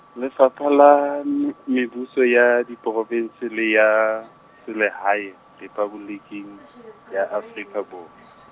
Lefapha la Me- Mebuso ya diprovinse le ya , Selehae, Rephaboliki ya Afrika Bor-.